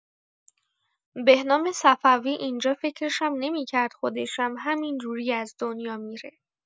بهنام صفوی اینجا فکرشم نمی‌کرد خودشم همینجوری از دنیا می‌ره.